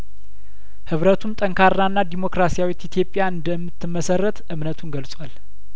ህብረቱም ጠንካራና ዲሞክራሲያዊት ኢትዮጵያ እንደምት መሰረት እምነቱን ገልጿል